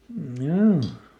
joo